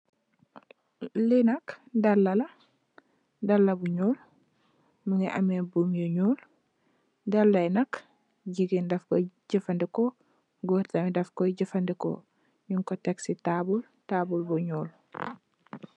Li nak daal la, daal bu ñuul mungi ameh buum yu ñuul. Daal la yi nak jigéen daff koy jafadeko, gòor tamit daff koy jafadeko nung ko tekk ci taabl, taabl bu ñuul.